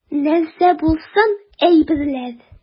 Нәрсә булсын, әйберләр.